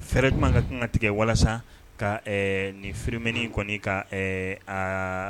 Fɛrɛ juman ŋa kan ŋa tigɛ walasa ka ɛɛ nin phénomène nin kɔni ka ɛɛ aa